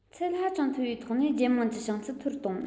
ཚད ཧ ཅང མཐོ བའི ཐོག ནས རྒྱལ དམངས ཀྱི བྱང ཚད མཐོ རུ གཏོང